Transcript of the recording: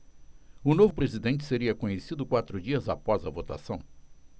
o novo presidente seria conhecido quatro dias após a votação